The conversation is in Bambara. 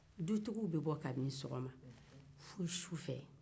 dutigiw bɛ bɔ kabini sɔgɔma fo su fɛ